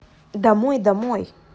домой домой